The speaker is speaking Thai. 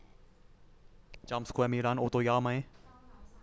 จามสแควร์มีร้านโอโตยะไหม